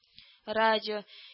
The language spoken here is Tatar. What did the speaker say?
Радио